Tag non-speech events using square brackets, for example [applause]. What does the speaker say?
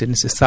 [hesitation] [hesitation]